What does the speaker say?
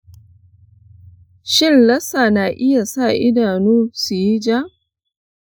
shin lassa na iya sa idanu su yi ja?